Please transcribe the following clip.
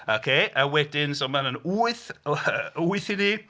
Ocê a wedyn so mae 'na wyth wyth i ni.